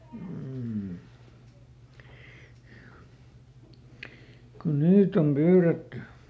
mm kun niitä on pyydetty